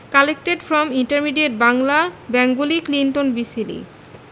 collected from intermediate Bangla Bengali Clinton বি Seely